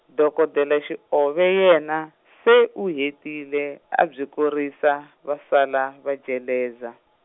dokodela Xiove yena, se u hetile, a byi korisa, va sala, va jeleza.